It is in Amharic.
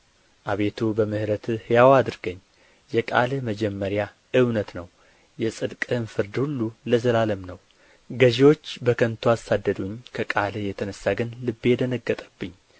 አቤቱ በምሕረትህ ሕያው አድርገኝ የቃልህ መጀመሪያ እውነት ነው የጽድቅህንም ፍርድ ሁሉ ለዘላለም ነው ገዢዎች በከንቱ አሳደዱኝ ከቃልህ የተነሣ ግን ልቤ ደነገጠብኝ